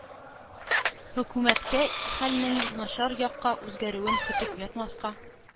Хөкүмәткә хәлнең начар якка үзгәрүен көтеп ятмаска,